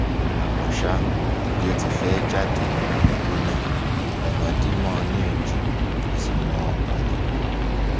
Àmọ́ ṣá, bí ó ti fẹ́ẹ́ jáde nínú igbó náà, ọ̀nà dí mọ́n ọn ní ojú, kò sì mọ ọ̀nà mọ́.